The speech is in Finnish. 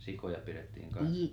sikoja pidettiin kanssa